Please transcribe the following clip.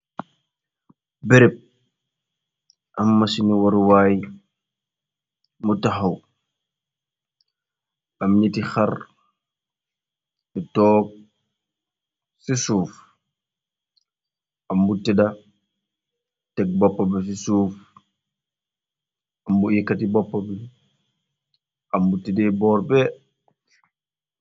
Bereb am mashinu waruwaay mu taxaw am niti xar lu toog ci suuf am mbutida teg bopp bi ci suuf ambu tedaci bopp bi am mbutida boor be.